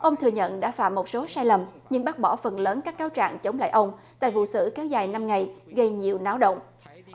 ông thừa nhận đã phạm một số sai lầm nhưng bác bỏ phần lớn các cáo trạng chống lại ông tại vụ xử kéo dài năm ngày gây nhiều náo động